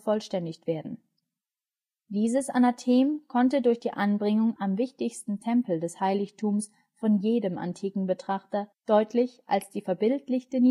Dieses Anathem konnte durch die Anbringung am wichtigsten Tempel des Heiligtums von jedem antiken Betrachter deutlich als die verbildlichte Niederlage Athens wahrgenommen werden